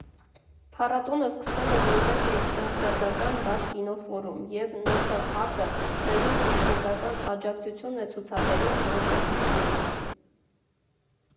Փառատոնը սկսվել է որպես երիտասարդական բաց կինոֆորում, և ՆՓԱԿ֊ը նաև տեխնիկական աջակցություն է ցուցաբերում մասնակիցներին։